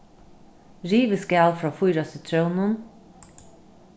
rivið skal frá fýra sitrónum